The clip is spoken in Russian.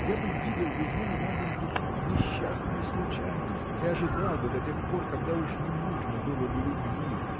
я бы видел в измене Наденьки несчастную случайность и ожидал бы до тех пор когда уж не нужно было бы любви